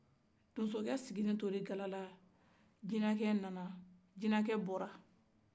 donso sigilen tora gala jinɛkɛ nana jinɛkɛ bɔra